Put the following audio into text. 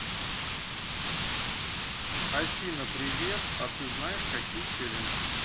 афина привет а ты знаешь какие челленджи